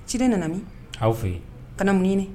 Ciden nana min' fɛ yen kana munɲini